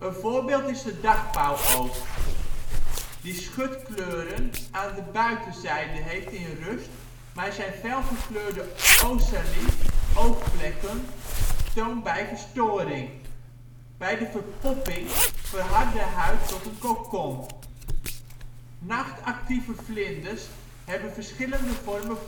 voorbeeld is de dagpauwoog, die schutkleuren aan de buitenzijde heeft in rust, maar zijn felgekleurde ocelli (oogvlekken) toont bij verstoring. Bij de verpopping verhardt de huid tot een cocon. Nachtactieve vlinders hebben verschillende vormen